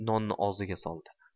nonni og'ziga soldi